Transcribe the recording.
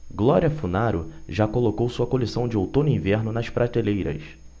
glória funaro já colocou sua coleção de outono-inverno nas prateleiras